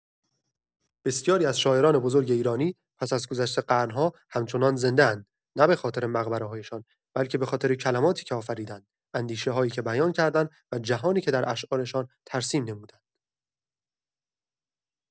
بسیاری از شاعران بزرگ ایرانی، پس از گذشت قرن‌ها همچنان زنده‌اند؛ نه به‌خاطر مقبره‌هایشان، بلکه به‌خاطر کلماتی که آفریدند، اندیشه‌هایی که بیان کردند و جهانی که در اشعارشان ترسیم نمودند.